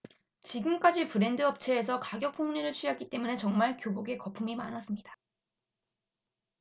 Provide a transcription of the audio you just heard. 지금까지 브랜드 업체에서 가격폭리를 취했기 때문에 정말 교복에 거품이 많았습니다